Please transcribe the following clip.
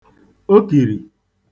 okìrì